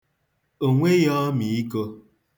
O nweghị ọmiiko.